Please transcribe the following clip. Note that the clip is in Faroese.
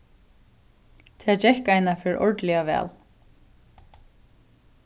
tað gekk einaferð ordiliga væl